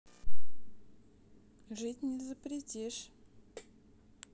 жить не запретишь